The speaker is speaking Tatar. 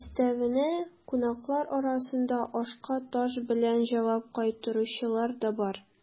Өстәвенә, кунаклар арасында ашка таш белән җавап кайтаручылар да бар.